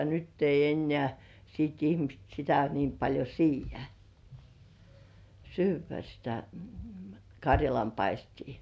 nyt ei enää sitten ihmiset sitä niin paljon siedä syödä sitä karjalanpaistia